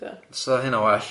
So hynna'n well.